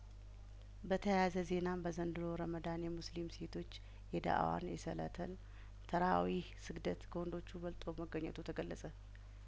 በተያያዘ ዜናም በዘንድሮ ረመዳን የሙስሊም ሴቶች የዳ እዋን የሰለተል ተራዊህ ስግደት ከወንዶች በልጦ መገኘቱ ተገለጸ